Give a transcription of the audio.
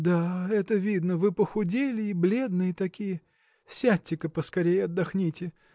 – Да, это видно: вы похудели и бледные такие! Сядьте-ка поскорей, отдохните